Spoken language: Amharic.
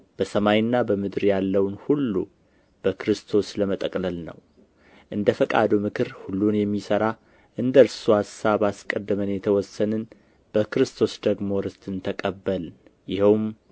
በሰማይና በምድር ያለውን ሁሉ በክርስቶስ ለመጠቅለል ነው እንደ ፈቃዱ ምክር ሁሉን የሚሠራ እንደ እርሱ አሳብ አስቀድመን የተወሰንን በክርስቶስ ደግሞ ርስትን ተቀበልን ይኸውም